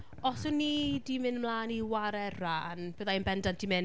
Os o'n i 'di mynd mlaen i chwarae’r rhan, byddai yn bendant 'di mynd...